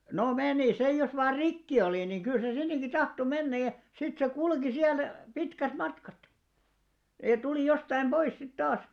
no meni se jos vain rikki oli niin kyllä se sinnekin tahtoi mennä ja sitten se kulki siellä pitkät matkat ja tuli jostakin pois sitten taas